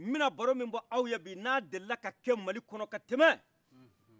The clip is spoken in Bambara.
mina baromibɔ aw ye bi na delila ka kɛ malikɔnɔ ka tɛmɛ